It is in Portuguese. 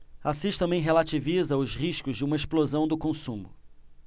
assis também relativiza os riscos de uma explosão do consumo